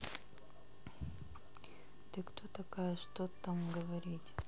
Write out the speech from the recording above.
ты кто такая что там говорить